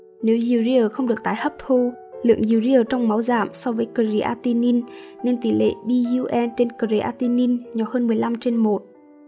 nếu urea không được tái hấp thu lượng urea trong máu giảm so với creatinine nên tỉ lệ creatinine nhỏ hơn